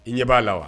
I ɲɛ b'a la wa